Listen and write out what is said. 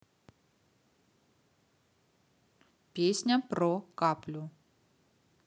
песня про каплю